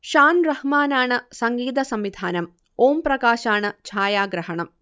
ഷാൻ റഹ്മാനാണ് സംഗീതസംവിധാനം, ഓം പ്രകാശാണ് ഛായാഗ്രഹണം